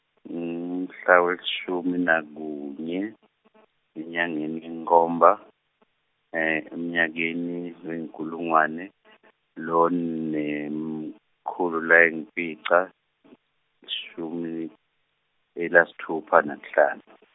ngumhla weshumi nakunye, enyangeni yenkomba, emnyakeni wenkulungwane, lone mkhulu layimfica shumi, elastfupha nakuhlanu.